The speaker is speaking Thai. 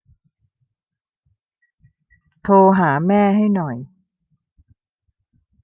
โทรหาแม่ให้หน่อย